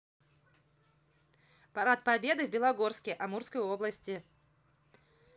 парад победы в белогорске амурской области